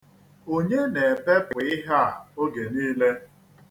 Onye na-epebụ ihe a oge niile.